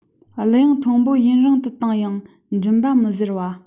གླུ དབྱངས མཐོན པོ ཡུན རིང དུ བཏང ཡང མགྲིན པ མི འཛེར བ